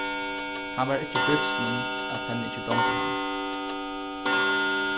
hann var ikki bilsin um at henni ikki dámdi hann